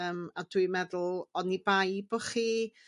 Yym a dwi meddwl onni bai bo' chi